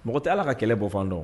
Mɔgɔ tɛ ala ka kɛlɛ bɔfan dɔn